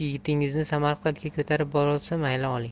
yigitingizni samarqandga ko'tarib borolsa mayli oling